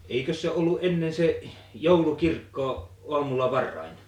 eikös se ollut ennen se joulukirkko aamulla varhain